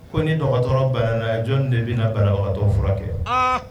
Ko ni dɔgɔtɔrɔ bana jɔn de bɛ banatɔ furakɛ kɛ